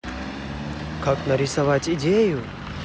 как нарисовать идею